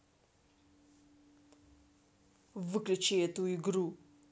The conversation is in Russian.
выключи эту игру